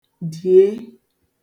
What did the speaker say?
dìe